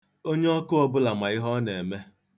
Onyeọkụ̀ ọbụla ma ihe ọ na-eme.